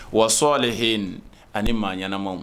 Wa sɔlihiina ani maa ɲɛnaanamaw